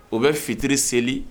O bɛ fitiri seli